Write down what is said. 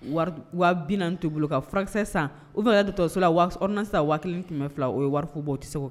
Wa t bolo ka furakɛkisɛ san u fana ka toso lar sa waati tun bɛ fila o ye wari fɔ' o tɛ se